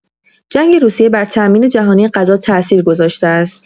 جنگ روسیه بر تامین جهانی غذا تاثیر گذاشته است.